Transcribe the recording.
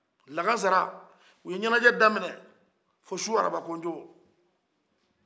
lakansara u ye ɲɛnajɛ daminɛn fɔ su araba kojo